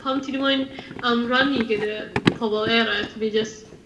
pam ti dim moyn yym rhannu gyda pobol eraill? Fi jyst